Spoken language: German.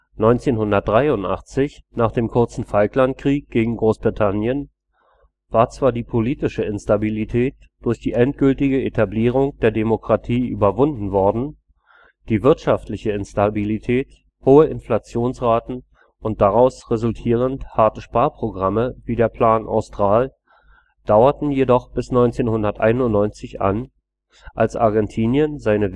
1983 - nach dem kurzen Falklandkrieg gegen Großbritannien - war zwar die politische Instabilität durch die endgültige Etablierung der Demokratie überwunden worden; die wirtschaftliche Instabilität − hohe Inflationsraten und daraus resultierend harte Sparprogramme wie der Plan Austral − dauerte jedoch noch bis 1991 an, als Argentinien seine